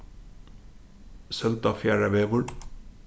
søldarfjarðarvegur